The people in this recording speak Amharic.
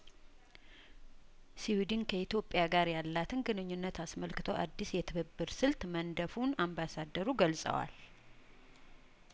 ስዊድን ከኢትዮጵያ ጋር ያላትን ግንኙነት አስመልክቶ አዲስ የትብብር ስልት መነደፉን አምባሳደሩ ገልጸዋል